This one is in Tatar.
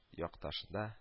Якташында